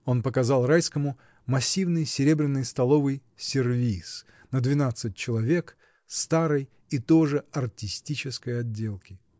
Он показал Райскому массивный серебряный столовый сервиз на двенадцать человек, старой и тоже артистической отделки.